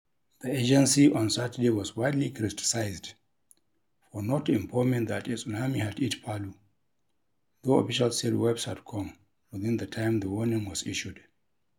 The agency on Saturday was widely criticized for not informing that a tsunami had hit Palu, though officials said waves had come within the time the warning was issued.